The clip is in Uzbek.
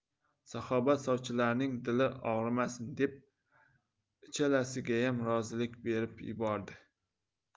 saxoba sovchilarning dili og'rimasin deb uchalasigayam rozilik berib yuboribdi